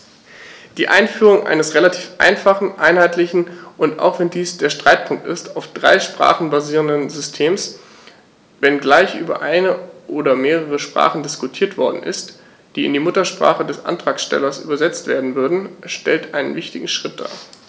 Die Einführung eines relativ einfachen, einheitlichen und - auch wenn dies der Streitpunkt ist - auf drei Sprachen basierenden Systems, wenngleich über eine oder mehrere Sprachen diskutiert worden ist, die in die Muttersprache des Antragstellers übersetzt werden würden, stellt einen wichtigen Schritt dar.